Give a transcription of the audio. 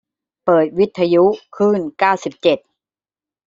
เปิดวิทยุคลื่นเก้าสิบเจ็ด